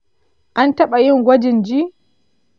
an tabayin gwajin ji?